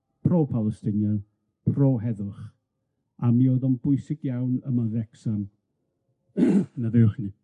pro-Palestinian, pro-heddwch, a mi oedd o'n bwysig iawn yma'n Wrecsam maddeuwch i mi.